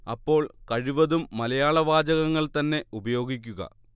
അപ്പോൾ കഴിവതും മലയാളം വാചകങ്ങൾ തന്നെ ഉപയോഗിക്കുക